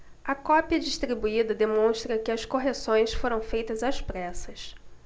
a cópia distribuída demonstra que as correções foram feitas às pressas